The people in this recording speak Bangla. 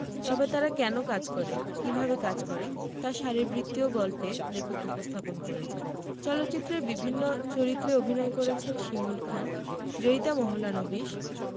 তবে তারা কেন কাজ করে কিভাবে কাজ করে তা শরীরবৃত্তীয় গল্পে লেখক উপস্থাপন করেছেন চলচ্চিত্রের বিভিন্ন চরিত্রে অভিনয় করেছেন শিমুল খান জয়িতা মাহলানোবিশ